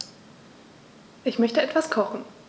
Ich möchte etwas kochen.